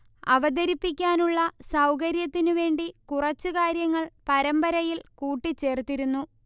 അവതരിപ്പിക്കാനുള്ള സൗകര്യത്തിനു വേണ്ടി കുറച്ച് കാര്യങ്ങൾ പരമ്പരയിൽ കൂട്ടിച്ചേർത്തിരുന്നു